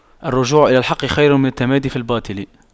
الرجوع إلى الحق خير من التمادي في الباطل